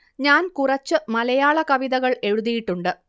ഞാൻ കുറച്ച് മലയാള കവിതകൾ എഴുതിയിട്ടുണ്ട്